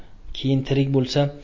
keyin tirik bo'lsa